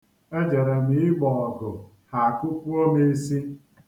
Ejere m igbo ọgụ, ha kụpuo m isi.